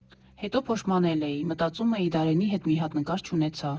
Հետո փոշմանել էի, մտածում էի՝ «Դարենի հետ մի հատ նկար չունեցա»։